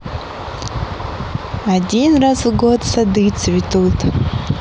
один раз в год сады цветут